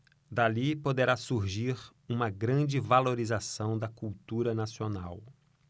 dali poderá surgir uma grande valorização da cultura nacional